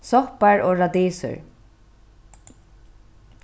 soppar og radisur